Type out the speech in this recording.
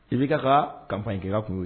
I B K ka campagne kila kun ye